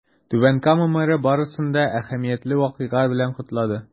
Түбән Кама мэры барысын да әһәмиятле вакыйга белән котлады.